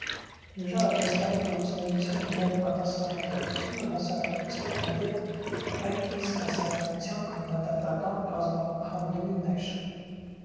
Նրա արվեստային գործունեության միակ պատասխանատվությունը հասարակության հանդեպ, այդ իսկ հասարակության քննադատական կազմաքանդումն էր։